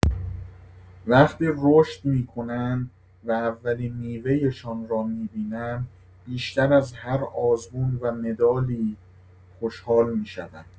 وقتی رشد می‌کنند و اولین میوه‌شان را می‌بینم بیشتر از هر آزمون و مدالی خوشحال می‌شوم.